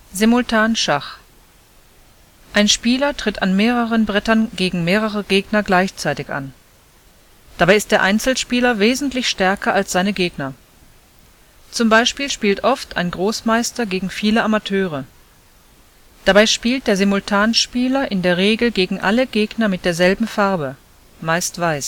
Simultanschach: Ein Spieler tritt an mehreren Brettern gegen mehrere Gegner gleichzeitig an. Dabei ist der Einzelspieler wesentlich stärker als seine Gegner. Zum Beispiel spielt oft ein Großmeister gegen viele Amateure. Dabei spielt der Simultanspieler in der Regel gegen alle Gegner mit derselben Farbe (meist Weiß